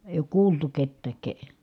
ei ole kuultu ketään -